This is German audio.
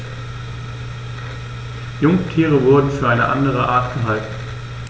Jungtiere wurden für eine andere Art gehalten.